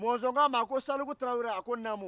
mɔzɔn ko salimu tarawele